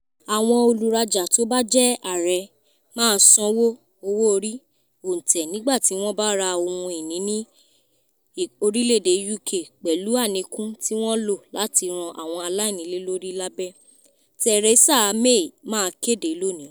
Àwọn olùrajà tó bá jẹ́ àrè máa san owó orí òǹtẹ̀ nígbàtí wọ́n bá ra ohun iní ní UK pẹ̀lú àníkún tí wọ́n lò láti ran àwọn aláìnílélórí lábẹ̀, Therasa May máa kéde lónìí.